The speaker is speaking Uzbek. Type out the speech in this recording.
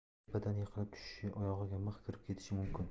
masalan tepadan yiqilib tushishi oyog'iga mix kirib ketishi mumkin